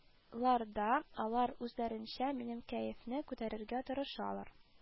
Ларда алар үзләренчә минем кәефне күтәрергә тырышалар: